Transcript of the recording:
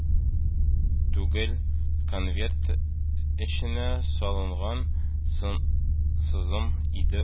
Түгел, конверт эченә салынган сызым иде ул